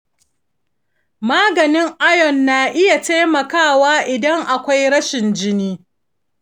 maganin iron na iya taimakawa idan akwai rashin jini.